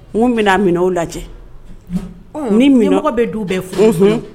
Umu bɛna minɛw lajɛ, ɔɔ, ni minɛ nɔgɔ bɛ du bɛɛ , Unhun, unhun